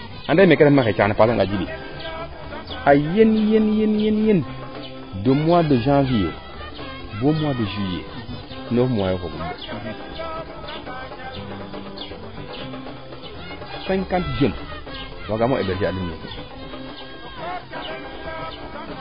ande meete ref na xaye caxaan a mbaafa nga Djiby a yeng yeng de mois de janvier bo mois de juin neuf mois yoo foogum de cinquante jeune wagaamo heberger a den meeke